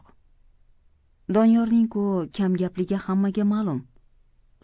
doniyorning ku kamgapligi hammaga ma'lum